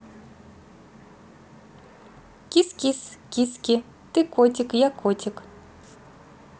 kiskis киски ты котик я котик